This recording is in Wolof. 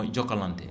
mooy Jokalante